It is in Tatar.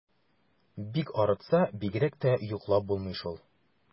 Бик арытса, бигрәк тә йоклап булмый шул.